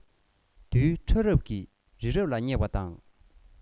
རྡུལ ཕྲ རབ ཀྱིས རི རབ ལ བསྙེགས པ དང